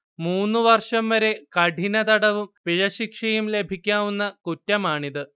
മൂന്നുവർഷം വരെ കഠിനതടവും പിഴശിക്ഷയും ലഭിക്കാവുന്ന കുറ്റമാണിത്